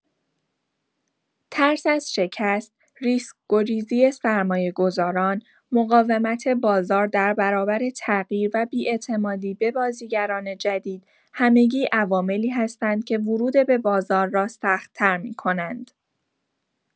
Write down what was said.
ترس از شکست، ریسک‌گریزی سرمایه‌گذاران، مقاومت بازار در برابر تغییر و بی‌اعتمادی به بازیگران جدید، همگی عواملی هستند که ورود به بازار را سخت‌تر می‌کنند.